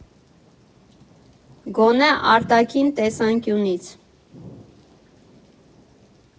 Գոնե արտաքին տեսանկյունից։